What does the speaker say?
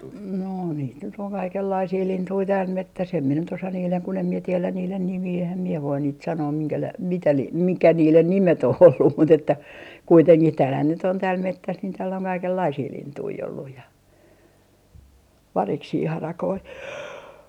no niitä nyt on kaikenlaisia lintuja täällä metsässä en minä nyt osaa niiden kun en minä tiedä niiden nimiä enhän minä voi niitä sanoa - mitä - mikä niiden nimet on ollut mutta että kuitenkin täällähän nyt on täällä metsässä niin täällä on kaikenlaisia lintuja ollut ja variksia harakoita